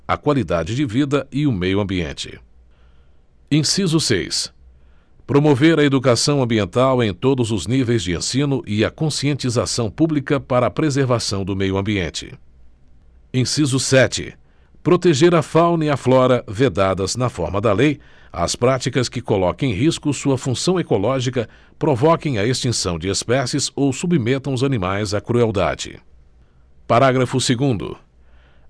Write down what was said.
a qualidade de vida e o meio ambiente inciso seis promover a educação ambiental em todos os níveis de ensino e a conscientização pública para a preservação do meio ambiente inciso sete proteger a fauna e a flora vedadas na forma da lei as práticas que coloquem em risco sua função ecológica provoquem a extinção de espécies ou submetam os animais a crueldade parágrafo segundo